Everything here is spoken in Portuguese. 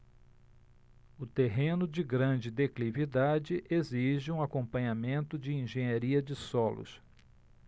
o terreno de grande declividade exige um acompanhamento de engenharia de solos